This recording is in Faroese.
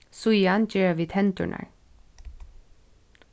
síðan gera vit hendurnar